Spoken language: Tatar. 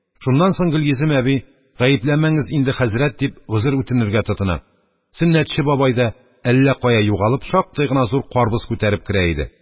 Шуннан соң Гөлйөзем әби: «Гаепләмәңез инде, хәзрәт», – дип, гозер үтенергә тотына, Сөннәтче бабай да, әллә кая югалып, шактый гына зур карбыз күтәреп керә иде.